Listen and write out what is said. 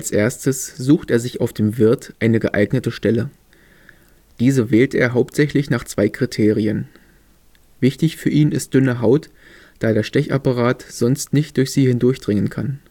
erstes sucht er sich auf dem Wirt eine geeignete Stelle. Diese wählt er hauptsächlich nach zwei Kriterien. Wichtig für ihn ist dünne Haut, da der Stechapparat sonst nicht durch sie hindurchdringen kann